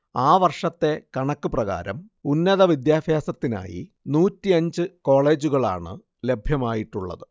ആ വർഷത്തെ കണക്കു പ്രകാരം ഉന്നതവിദ്യാഭ്യാസത്തിനായി നൂറ്റിയഞ്ച് കോളേജുകളാണ് ലഭ്യമായിട്ടുള്ളത്